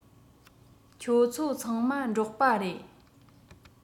ཁྱོད ཚོ ཚང མ འབྲོག པ རེད